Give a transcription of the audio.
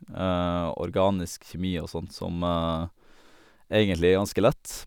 Organisk kjemi og sånn, som egentlig er ganske lett.